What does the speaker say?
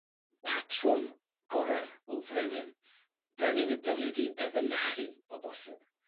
patrwm gore o frenin. Brenin y dylid 'i efelychu o bosib?